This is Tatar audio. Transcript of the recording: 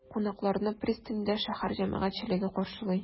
Кунакларны пристаньда шәһәр җәмәгатьчелеге каршылый.